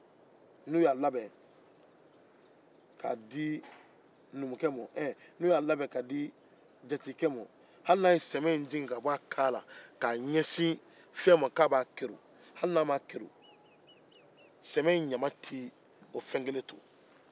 n'u y'a labɛn k'a di jatigikɛ ma n'a ye sɛmɛ jigin k'a b'a kerun fɛn min ma hali n'a m'a kerun a ɲama tɛ fɛn in to